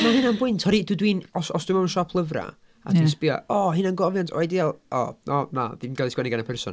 Ma' hynna'n bwynt oherwydd dydw i'n...os os dwi mewn siop lyfrau... ie ...a dwi'n sbio, "o, hunangofiant! O ideal." "O, o, na, ddim 'di cael ei sgwennu gan y person."